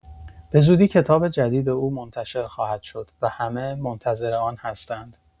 بزودی کتاب جدید او منتشر خواهد شد و همه منتظر آن هستند.